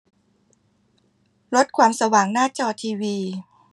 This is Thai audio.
ลดความสว่างหน้าจอทีวี